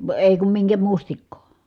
ei kun minkä mustikkaa